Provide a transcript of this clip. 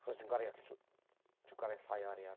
Achos dwi'n gwario ll-... dwi'n gwario llai o arian.